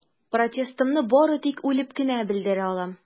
Протестымны бары тик үлеп кенә белдерә алам.